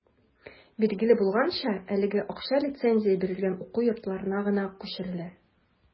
Билгеле булганча, әлеге акча лицензия бирелгән уку йортларына гына күчерелә.